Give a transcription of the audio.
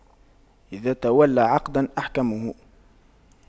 إذا تولى عقداً أحكمه